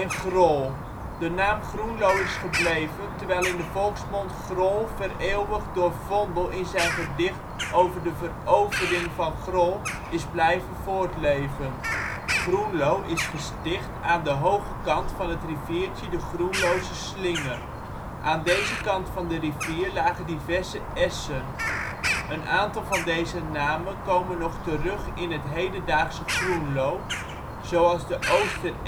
Grol ". De naam Groenlo is gebleven, terwijl in de volksmond " Grol ", vereeuwigd door Vondel in zijn gedicht over de verovering van Grol, is blijven voortleven. Groenlo is gesticht aan de hoge kant van het riviertje de Groenlose Slinge. Aan deze kant van de rivier lagen diverse essen. Een aantal van deze namen komen nog terug in het hedendaagse Groenlo, zoals de Oosteresch